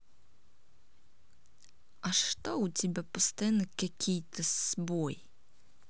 а что у тебя постоянно какие то сбой